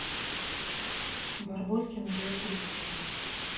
барбоскины две тысячи